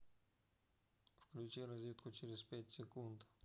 включи розетку через пять секунд